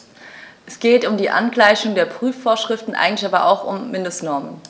Es geht um die Angleichung der Prüfungsvorschriften, eigentlich aber auch um Mindestnormen.